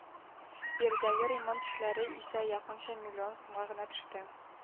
Биредәге ремонт эшләре исә якынча миллион сумга гына төште.